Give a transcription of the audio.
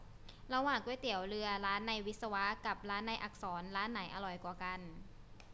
ระหว่างก๋วยเตี๋ยวเรือร้านในวิศวะกับร้านในอักษรร้านไหนอร่อยกว่ากัน